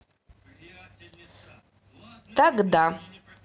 тогда